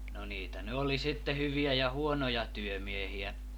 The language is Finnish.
no niitä nyt oli sitten hyviä ja huonoja työmiehiä